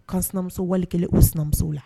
Ka sinamuso wale kelen o sinamuso la